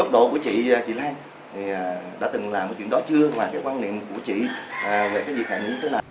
góc độ của chị chị lan đã từng làm chuyện đó chưa và cái quan niệm của chị về việc này như thế nào